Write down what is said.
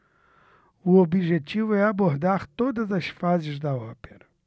o objetivo é abordar todas as fases da ópera